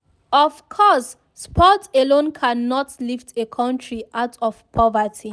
Of course, sports alone cannot lift a country out of poverty.